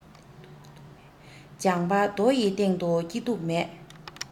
ལྗང པ རྡོ ཡི སྟེང དུ སྐྱེ མདོག མེད